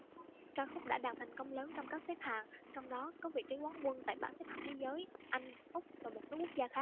ca khúc đã đạt thành công lớn trong các xếp hạng trong đó có vị trí quán quân tại bảng xếp hạng thế giới anh úc và một số quốc gia khác